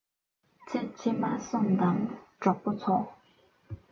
ཚེ ཕྱི མ སོམས དང གྲོགས པོ ཚོ